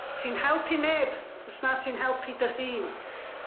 Ti'n helpu neb, os na ti'n helpu dy hun.